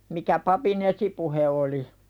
mikä papin esipuhe oli